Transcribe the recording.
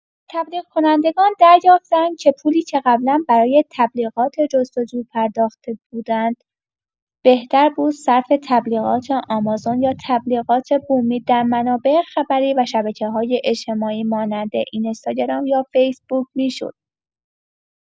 تبلیغ کنندگان دریافتند که پولی که قبلا برای تبلیغات جستجو پرداخته بودند، بهتربود صرف تبلیغات آمازون یا تبلیغات بومی در منابع خبری و شبکه‌های اجتماعی مانند اینستاگرام و یا فیس بوک می‌شد.